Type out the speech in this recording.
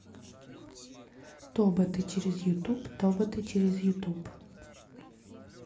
тоботы через ютуб тоботы через ютуб